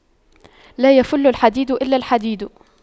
لا يَفُلُّ الحديد إلا الحديد